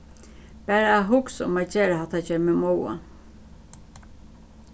bara at hugsa um at gera hatta ger meg móða